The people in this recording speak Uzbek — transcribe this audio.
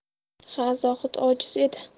ha zohid ojiz edi